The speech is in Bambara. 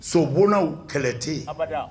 Sobonna kɛlɛ tɛ yen